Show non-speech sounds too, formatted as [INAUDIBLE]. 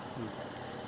[HESITATION] [HESITATION] [NOISE]